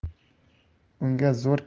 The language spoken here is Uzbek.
unga zo'r